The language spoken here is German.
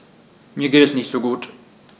Mir geht es nicht gut.